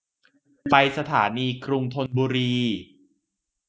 ไปสถานีกรุงธนบุรี